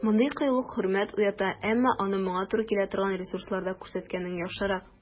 Мондый кыюлык хөрмәт уята, әмма аны моңа туры килә торган ресурсларда күрсәткәнең яхшырак.